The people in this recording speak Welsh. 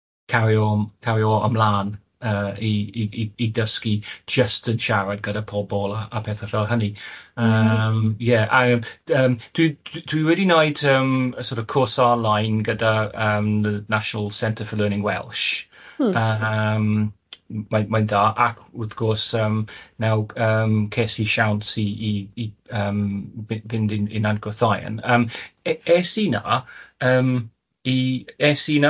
cario cario o ymlân yy i i i i dysgu jyst yn siarad gyda pobl a a pethau fel hynny yym ie a yym dwi dwi dwi wedi wnaid yym y sort of cwrs ar-lein gyda yym the National Centre for Learning Welsh... Hm. ...yym mae'n mae'n da ac wrth gwrs yym naw yym ces i siawns i i i yym by- fynd i'n i'n Nant Gwrthauyn yn yym es i na yym, i es i na.